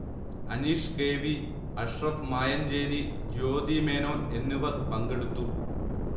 Aneesh K. V, Ashraf Mayancheri, Jyothi മേനോൻഎന്നിവർ പങ്കെടുത്തു